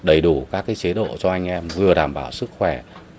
đầy đủ các cái chế độ cho anh em vừa đảm bảo sức khỏe